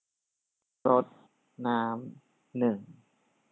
รดน้ำหนึ่ง